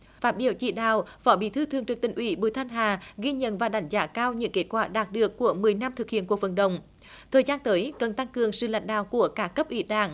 phát biểu chỉ đạo phó bí thư thường trực tỉnh ủy bùi thanh hà ghi nhận và đánh giá cao những kết quả đạt được của mười năm thực hiện cuộc vận động thời gian tới cần tăng cường sự lãnh đạo của các cấp ủy đảng